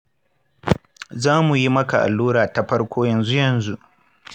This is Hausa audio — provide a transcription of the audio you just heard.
zamu yi maka allura ta farko yanzu-yanzu.